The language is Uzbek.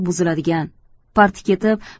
buziladigan parti ketib